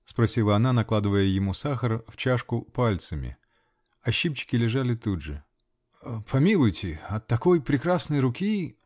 -- спросила она, накладывая ему сахар в чашку пальцами. а щипчики лежали тут же. -- Помилуйте!. От такой прекрасной руки.